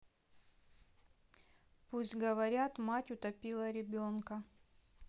пусть говорят мать утопила ребенка